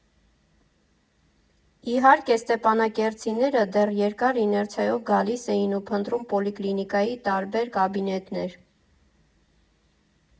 Իհարկե, ստեփանակերտցիները դեռ երկար իներցիայով գալիս էին ու փնտրում պոլիկլինիկայի տարբեր կաբինետներ։